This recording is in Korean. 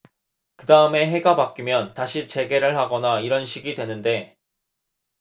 그 다음에 해가 바뀌면 다시 재개를 하거나 이런 식이 되는데